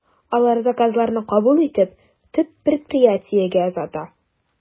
Алар заказларны кабул итеп, төп предприятиегә озата.